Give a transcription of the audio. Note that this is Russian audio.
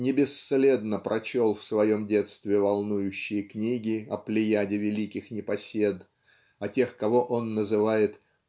не бесследно прочел в своем детстве волнующие книги о плеяде великих непосед о тех кого он называет